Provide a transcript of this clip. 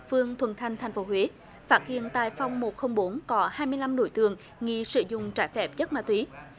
phường thuận thành thành phố huế phát hiện tại phòng một không bốn có hai mươi lăm đối tượng nghi sử dụng trái phép chất ma túy